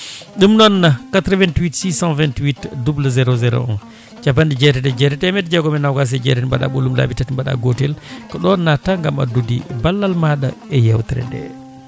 ɗum noon 88 628 00 01 capanɗe jeetati e jeetati temedde jeegom e nogas e jeetati mbaɗa ɓolum laabi tati mbaɗa gotel ko ɗon natta gaam addude ballal maɗa e yewtere nde